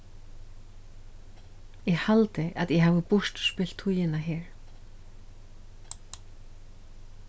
eg haldi at eg havi burturspilt tíðina her